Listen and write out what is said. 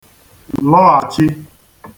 lọghàchi